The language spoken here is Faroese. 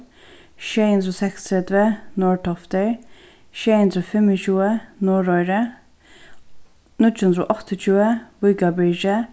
sjey hundrað og seksogtretivu norðtoftir sjey hundrað og fimmogtjúgu norðoyri níggju hundrað og áttaogtjúgu víkarbyrgi